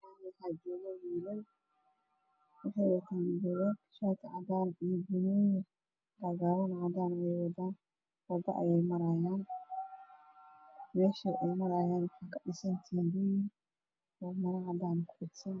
Waxaa joogo wiilal waxay wataan buugag iyo shaati cadaan ah iyo banooni cadaan iyo cagaar ah ayay wataan. Waxay marahayaan wado waxaa kadhisan teendhooyin oo maro cadaan ah kufidsan.